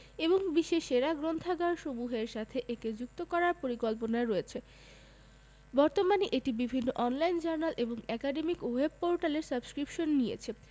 এবং বিশ্বের সেরা গ্রন্থাগারসমূহের সাথে একে যুক্ত করার পরিকল্পনা রয়েছে বর্তমানে এটি বিভিন্ন অন লাইন জার্নাল এবং একাডেমিক ওয়েব পোর্টালের সাবস্ক্রিপশান নিয়েছে